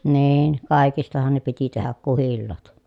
niin kaikistahan ne piti tehdä kuhilaat